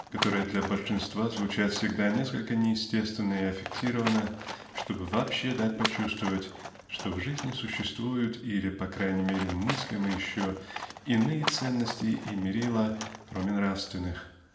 которые для большинства звучат всегда несколько неестественно и аффектированно чтобы вообще дать почувствовать что в жизни существуют или по крайней мере мыслимы еще иные ценности и мерила кроме нравственных